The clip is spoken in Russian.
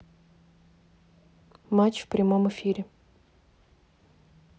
матч в прямом эфире